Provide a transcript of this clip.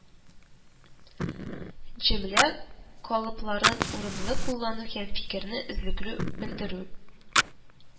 Җөмлə калыпларын урынлы куллану һəм фикерне эзлекле белдерү